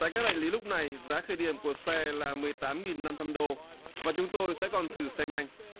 tại các đại lý lúc này giá khởi điểm của xe là mười tám nghìn năm trăm đô và chúng tôi sẽ còn thử xe nhanh